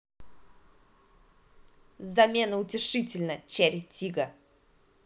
замена утешительна черри тига